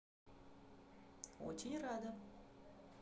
очень рада